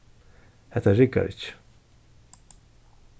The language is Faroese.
hetta riggar ikki